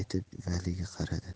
etib valiga qaradi